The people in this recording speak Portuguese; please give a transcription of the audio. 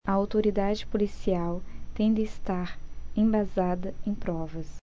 a autoridade policial tem de estar embasada em provas